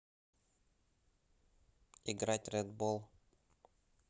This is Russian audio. играть ред бол